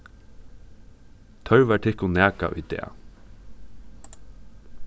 tørvar tykkum nakað í dag